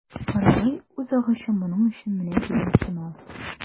Карагай үзагачы моның өчен менә дигән чимал.